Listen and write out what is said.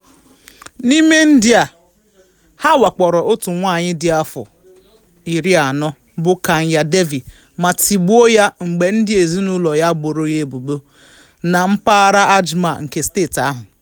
N'ime ndị a, ha wakporo otu nwaanyị dị afọ 40 bụ Kanya Devi ma tigbuo ya mgbe ndị ezinaụlọ ya boro ya ebubo na mpaghara Ajmer nke steeti ahụ